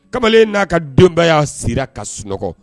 Kamalen n'a ka don y'a sera ka sunɔgɔ